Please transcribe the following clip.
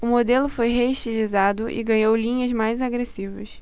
o modelo foi reestilizado e ganhou linhas mais agressivas